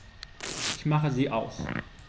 Ich mache sie aus.